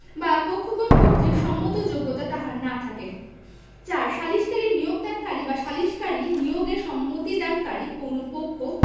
বা পক্ষগণ কর্তৃক সম্মত যোগ্যতা তাহার না থাকে ৪ সালিসকারী নিয়োগদানকারী বা সালিসকারী নিয়োগে সম্মতিদানকারী কোন পক্ষ